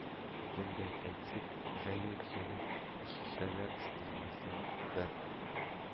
Лендә әйтсәк, «галиҗәнап эшчеләр сыйныфы»ның бер